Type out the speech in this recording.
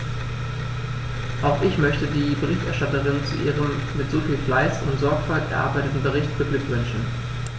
Auch ich möchte die Berichterstatterin zu ihrem mit so viel Fleiß und Sorgfalt erarbeiteten Bericht beglückwünschen.